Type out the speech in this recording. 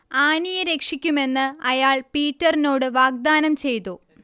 ആനിയെ രക്ഷിക്കുമെന്ന് അയാൾ പീറ്ററിനോട് വാഗ്ദാനം ചെയ്തു